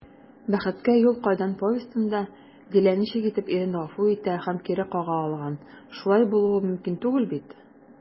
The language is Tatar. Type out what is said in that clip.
«бәхеткә юл кайдан» повестенда дилә ничек итеп ирен гафу итә һәм кире кага алган, шулай булуы мөмкин түгел бит?»